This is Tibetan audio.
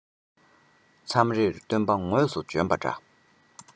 མཚམས རེར སྟོན པ དངོས སུ བྱོན པ འདྲ